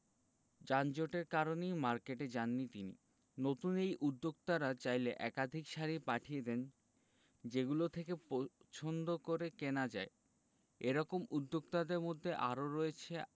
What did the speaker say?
যানজটের কারণেই মার্কেটে যাননি তিনি নতুন এই উদ্যোক্তারা চাইলে একাধিক শাড়ি পাঠিয়ে দেন যেগুলো থেকে পছন্দ করে কেনা যায় এ রকম উদ্যোক্তাদের মধ্যে আরও রয়েছে